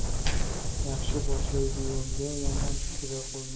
yaxshi boshlaydi yo'lga yomon tushirar qo'lga